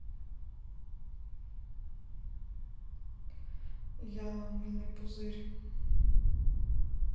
я мыльный пузырь